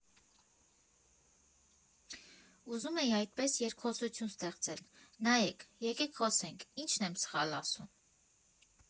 Ուզում էի այդպես երկխոսություն ստեղծել՝ նայեք, եկեք խոսենք, ի՞նչն եմ սխալ ասում։